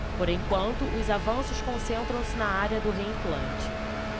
por enquanto os avanços concentram-se na área do reimplante